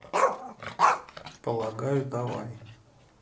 полагаю давай